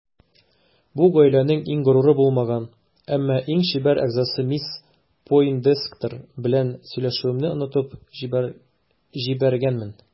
Бу гаиләнең иң горуры булмаган, әмма иң чибәр әгъзасы мисс Пойндекстер белән сөйләшүемне онытып җибәргәнмен.